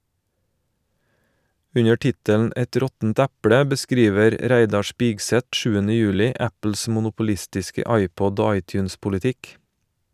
Under tittelen "Et råttent eple" beskriver Reidar Spigseth 7. juli Apples monopolistiske iPod- og iTunes-politikk.